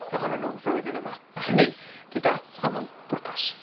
ohonyn n'w flwyddyn yma a hynny gyda aml bwrpas.